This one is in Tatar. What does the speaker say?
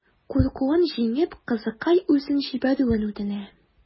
Куркуын җиңеп, кызыкай үзен җибәрүен үтенә.